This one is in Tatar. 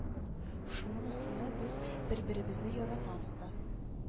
Шуның өстенә без бер-беребезне яратабыз да